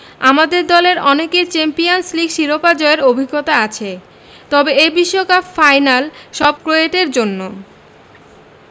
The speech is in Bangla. আমাদের দলের অনেকের চ্যাম্পিয়নস লিগ শিরোপা জয়ের অভিজ্ঞতা আছে তবে এ বিশ্বকাপ ফাইনাল সব ক্রোয়েটের জন্য